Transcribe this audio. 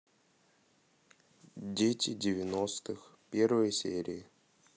дети девяностых первые серии